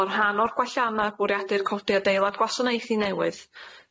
Fo' rhan o'r gwellana' bwriadur codi adeilad gwasanaethu newydd